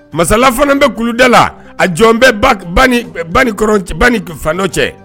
Masala fana bɛ kuluda la a jɔn bɛ ni fadɔ cɛ